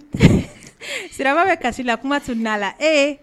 Sira bɛ kasi la kuma tun'a la ee